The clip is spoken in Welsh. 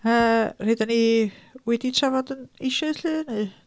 Yy rhai dan ni wedi trafod yn eisoes 'lly neu...?